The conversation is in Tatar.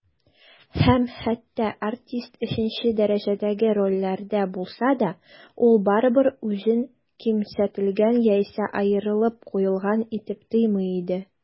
Һәм хәтта артист өченче дәрәҗәдәге рольләрдә булса да, ул барыбыр үзен кимсетелгән яисә аерылып куелган итеп тоймый иде.